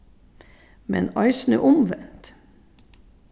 men eisini umvent